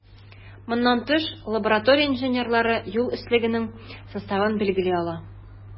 Моннан тыш, лаборатория инженерлары юл өслегенең составын билгели ала.